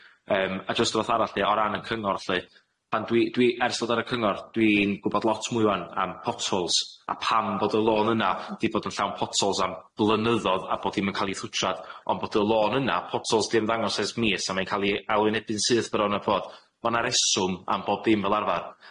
Yym, a jyst wbath arall lly o ran y cyngor lly, pan dwi- dwi... Ers ddod ar y cyngor, dwi'n gwbod lot mwy ŵan am potholes, a pam bod y lôn yna 'di bod yn llawn potholes am blynyddodd a bod hi'm yn ca'l 'i thwtshad. Ond bod y lôn yna, potholes 'di ymddangos ers mis, a ma' 'i'n ca'l 'i ailwynebu'n syth â bod. Ma' 'na reswm am bob dim fel arfar.